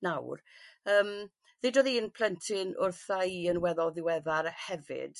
nawr yym ddedodd un plentyn wrtha i yn weddol ddiweddar hefyd